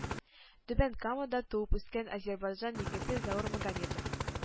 Түбән Камада туып-үскән әзербайҗан егете Заур Магомедов